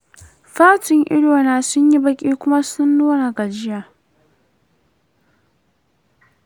fatun idona sunyi baƙi kuma sun nuna gajiya.